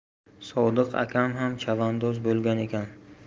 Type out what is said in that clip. sodiq akam ham chavandoz bo'lgan ekan